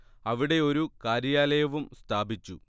അവിടെ ഒരു കാര്യാലയവും സ്ഥാപിച്ചു